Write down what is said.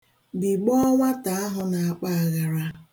Bigbọọ nwata ahụ na-akpa aghara.